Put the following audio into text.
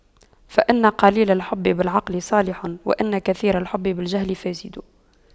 فإن قليل الحب بالعقل صالح وإن كثير الحب بالجهل فاسد